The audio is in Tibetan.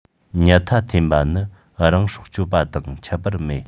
ཉལ ཐ འཐེན པ ནི རང སྲོག གཅོད པ དང ཁྱད པར མེད